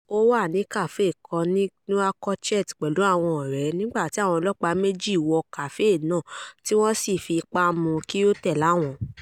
Ó wà ní kàféè kan ní Nouakchott pẹ̀lú àwọn ọ̀rẹ́, nígbà tí àwọn ọlọ́pàá méjì wọ kàféè náà tí wọ́n sì fi ipá mú kí ó tẹ̀lé àwọn.